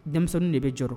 Denmisɛnnin de bɛ jɔ